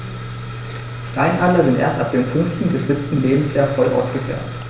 Steinadler sind erst ab dem 5. bis 7. Lebensjahr voll ausgefärbt.